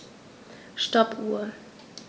Stoppuhr.